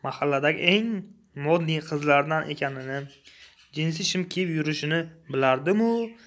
mahalladagi eng modniy qizlardan ekanini jinsi shim kiyib yurishini bilardimu